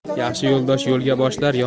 yaxshi yo'ldosh yo'lga boshlar